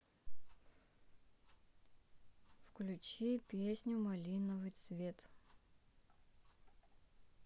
включи песню малиновый цвет